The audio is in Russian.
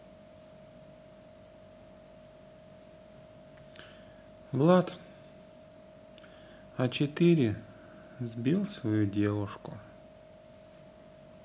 влад а четыре сбил свою девушку